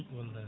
wallay